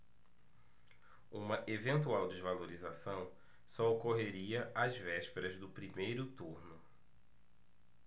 uma eventual desvalorização só ocorreria às vésperas do primeiro turno